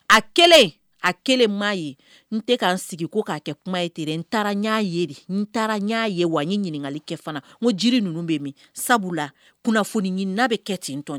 A kɛlen a kelen maa ye n tɛ k'an sigi ko k'a kɛ kuma ye ten n taara n y' ye n taara y' ye wa n ɲininkakali kɛ fana o jiri ninnu bɛ min sabula la kunnafoni ɲini n' bɛ kɛ ten tɔn